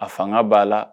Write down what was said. A fanga b' la